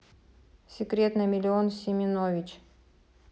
секрет на миллион с семенович